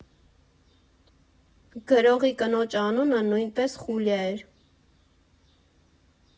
Գրողի կնոջ անունը նույնպես Խուլիա էր։